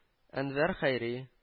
Әнвәр Хәйри